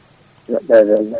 mbaɗa e tampere